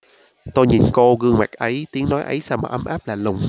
tôi nhìn cô gương mặt ấy tiếng nói ấy sao ấm ấm áp lạ lùng